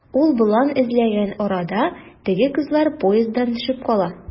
Ул болан эзләгән арада, теге кызлар поезддан төшеп кала.